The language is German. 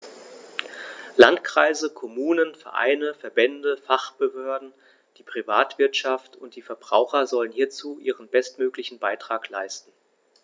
Landkreise, Kommunen, Vereine, Verbände, Fachbehörden, die Privatwirtschaft und die Verbraucher sollen hierzu ihren bestmöglichen Beitrag leisten.